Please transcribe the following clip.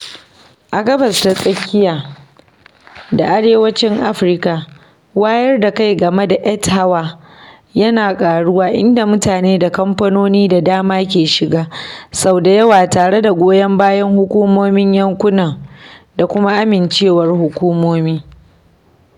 A Gabas ta Tsakiya da Arewacin Afirka, wayar da kai game na Earth Hour yana ƙaruwa, inda mutane da kamfanoni da dama ke shiga, sau da yawa tare da goyon bayan hukumomin yankunan da kuma amincewar hukumomi.